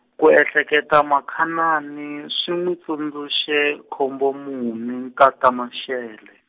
ku ehleketa Makhanani swi n'wi tsundzuxe Khombomuni nkata Mashele.